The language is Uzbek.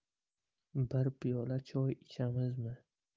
bir piyola choy ichamizmi